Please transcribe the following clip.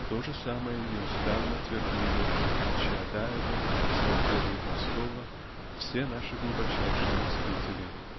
то же самое неустанно твердили от Чаадаева до Соловьева и Толстого все наши глубочайшие мыслители.